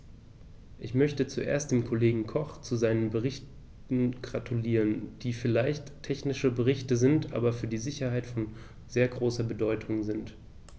Ich möchte zuerst dem Kollegen Koch zu seinen Berichten gratulieren, die vielleicht technische Berichte sind, aber für die Sicherheit von sehr großer Bedeutung sind.